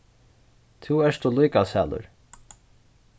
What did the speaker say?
tú ert ov líkasælur